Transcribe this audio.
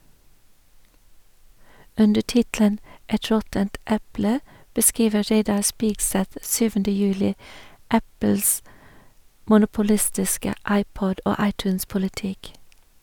Under tittelen «Et råttent eple» beskriver Reidar Spigseth 7. juli Apples monopolistiske iPod- og iTunes-politikk.